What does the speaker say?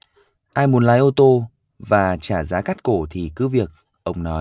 ai muốn lái ô tô và trả giá cắt cổ thì cứ việc ông nói